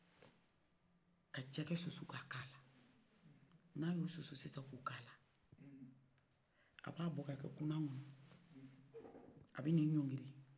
ka jɛkɛ susu ka kɛla n'a y'o susu sisan kakɛla a b'a bɔ k'a kɛ kuna kɔnɔ a bɛna i yɔngri